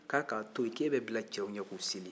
k'a ka to yen k'e bɛ bila cɛw ɲɛ k'u seli